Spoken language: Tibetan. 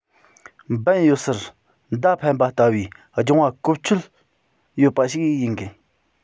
འབེན ཡོད སར མདའ འཕེན པ ལྟ བུའི སྦྱངས པ གོ ཆོད ཡོད པ ཞིག ཡིན དགོས